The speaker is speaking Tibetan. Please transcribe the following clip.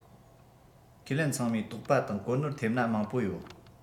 ཁས ལེན ཚང མས དོགས པ དང གོ ནོར ཐེབས ན མང པོ ཡོད